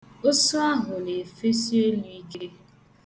Ụsụ ahụ na-efesi elu ike.